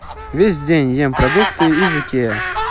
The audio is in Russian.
весь день ем продукты из ikea